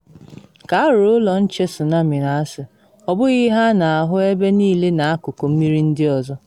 Ka arụrụ ụlọ nche tsunami na Aceh, ọ bụghị ihe a na ahụ ebe niile n’akụkụ mmiri ndị ọzọ.